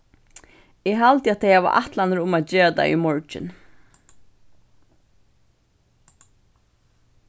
eg haldi at tey hava ætlanir um at gera tað í morgin